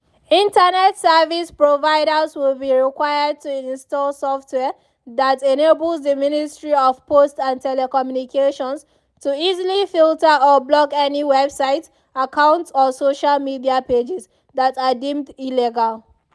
Internet service providers will be required to install software that enables the Ministry of Posts and Telecommunications to “easily filter or block any websites, accounts or social media pages that are deemed illegal”.